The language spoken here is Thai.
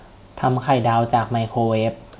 ทำไข่ดาวจากไมโครเวฟ